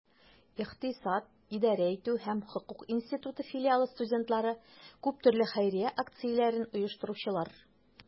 Икътисад, идарә итү һәм хокук институты филиалы студентлары - күп төрле хәйрия акцияләрен оештыручылар.